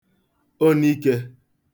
onikē